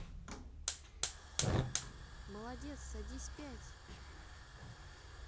молодец садись пять